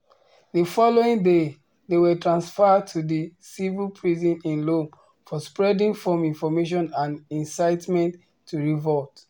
The following day, they were transferred to the civil prison in Lomé for spreading false information and incitement to revolt.